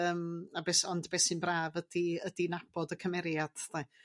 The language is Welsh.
Yym a be' s- ond be' sy'n braf ydi ydi nabod y cymeriad sti.